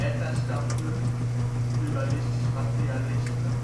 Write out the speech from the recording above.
bèta-standpunt: Dualistisch Materialisme